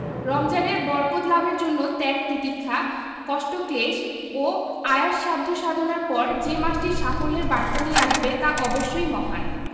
রমজানের বরকত লাভের জন্য ত্যাগ তিতিক্ষা কষ্টক্লেশ ও আয়াস সাধ্য সাধনার পর যে মাসটি সাফল্যের বার্তা নিয়ে আসবে তা অবশ্যই মহান